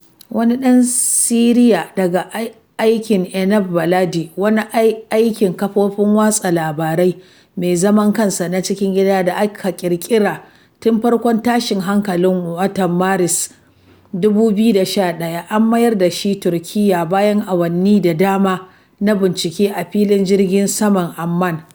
Wani ɗan Syria daga aikin Enab Baladi, wani aikin kafofin watsa labarai mai zaman kansa na cikin gida da aka ƙirƙira tun farkon tashin hankalin watan Maris 2011, an mayar da shi Turkiyya bayan awanni da dama na bincike a filin jirgin saman Amman.